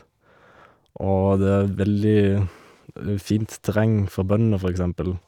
Og det er veldig fint terreng for bøndene, for eksempel.